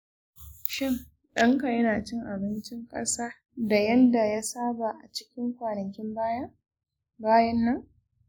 shin ɗanka yana cin abinci ƙasa da yadda ya saba a cikin kwanakin baya-bayan nan?